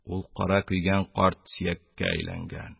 Ул кара көйгән карт сөяккә әйләнгән.